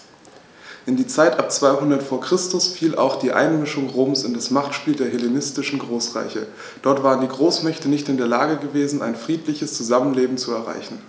In die Zeit ab 200 v. Chr. fiel auch die Einmischung Roms in das Machtspiel der hellenistischen Großreiche: Dort waren die Großmächte nicht in der Lage gewesen, ein friedliches Zusammenleben zu erreichen.